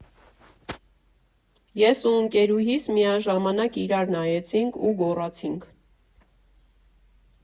Ես ու ընկերուհիս միաժամանակ իրար նայեցինք ու գոռացինք.